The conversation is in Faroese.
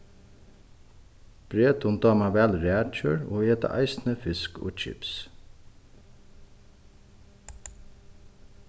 bretum dámar væl rækjur og eta eisini fisk og kips